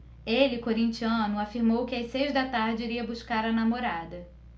ele corintiano afirmou que às seis da tarde iria buscar a namorada